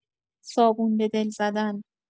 صابون به دل زدن